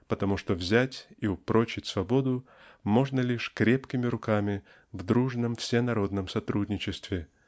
потому что взять и упрочить свободу можно лишь крепкими руками в дружном всенародном сотрудничестве